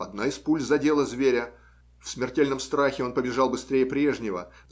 Одна из пуль задела зверя; в смертельном страхе он побежал быстрее прежнего.